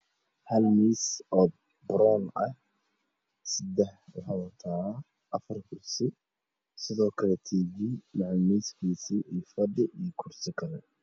Hal miis oo brown ah wuxuu wataa saddex kursi ga wuxuu wataa dhalo iyo miskeeda waa madow kuraasta waa cagaar